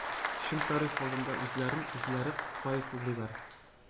Чын тарих алдында үзләрен үзләре каезлыйлар.